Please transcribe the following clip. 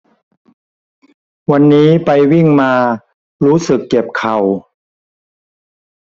วันนี้ไปวิ่งมารู้สึกเจ็บเข่า